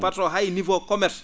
hay niveau commerce